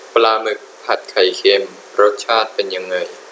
ปลาหมึกผัดไข่เค็มรสชาติเป็นยังไง